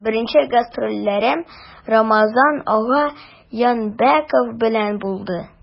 Беренче гастрольләрем Рамазан ага Янбәков белән булды.